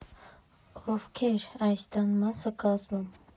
Ովքե՞ր այս տան մասը կազմում։